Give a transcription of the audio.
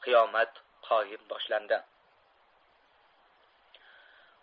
qiyomat qoyim boshlandi